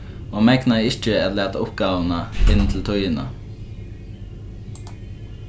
hon megnaði ikki at lata uppgávuna inn til tíðina